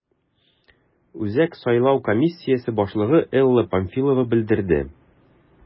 Үзәк сайлау комиссиясе башлыгы Элла Памфилова белдерде: